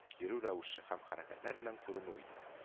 Йөрү рәвеше һәм хәрәкәтләр белән күренү иде